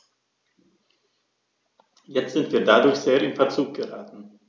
Jetzt sind wir dadurch sehr in Verzug geraten.